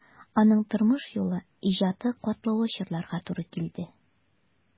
Аның тормыш юлы, иҗаты катлаулы чорларга туры килде.